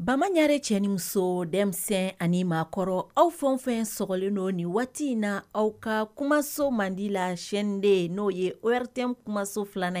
Bamanan ɲɛre cɛ ni muso , denmisɛnnin ani maa kɔrɔ ,aw fɛn o fɛn sɔgɔlen don ni waati in na , aw ka kumaso mandi chaîne 2 : n'o ye ORTM kumaso 2an ye.